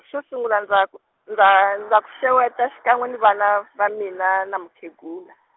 xo sungula ndza k- ndza ndza ku xeweta xikan'we ni vana va mina na mukhegula.